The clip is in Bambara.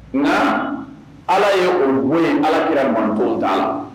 Nka ala ye okun ni ala kɛra man ta la